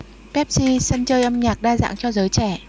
pepsi sân chơi âm nhạc đa dạng cho giới trẻ